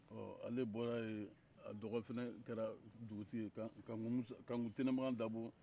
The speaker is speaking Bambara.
ɔ ale bɔra yen a dɔgɔ fana kɛra dutgutigi ye kanku tɛnɛmagan dabo